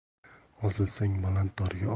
osilsang baland dorga